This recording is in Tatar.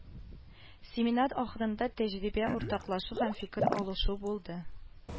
Семинар ахырында тәҗрибә уртаклашу һәм фикер алышу булды